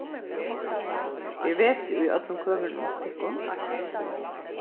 er vesi í øllum kømrunum hjá tykkum